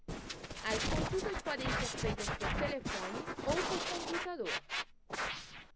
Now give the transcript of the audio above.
as consultas podem ser feitas por telefone ou por computador